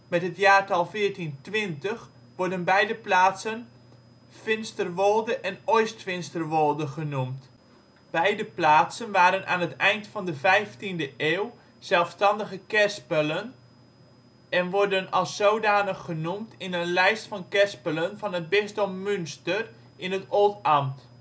met het jaartal 1420 worden beide plaatsen ' Ffinsterwolde ' en ' Oistfinsterwolde ' genoemd. Beide plaatsen waren aan het eind van de vijftiende eeuw zelfstandige kerspelen en worden als zodanig genoemd in een lijst van kerspelen van het bisdom Münster in het Oldambt